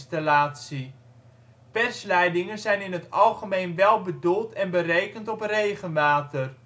een rioolwaterzuiveringsinstallatie. Persleidingen zijn in het algemeen wel bedoeld en berekend op regenwater